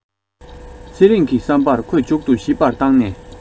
ཚེ རིང གི བསམ པར ཁོས མཇུག ཏུ ཞིབ པར བཏང ནས